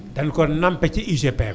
danu koo nampee ci UGPM